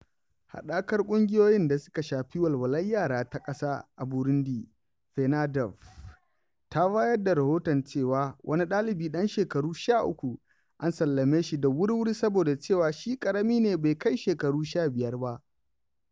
Haɗakar ƙungiyoyin da suka shafi walwalar yara ta ƙasa a Burundi (FENADEB) ta bayar da rahoton cewa wani ɗalibi ɗan shekaru 13, an sallame shi da wurwuri saboda cewa shi ƙarami ne bai kai shekaru 15 ba.